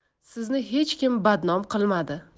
sizni hech kim badnom qilmadi